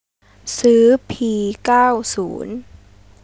ซื้อพีเก้าศูนย์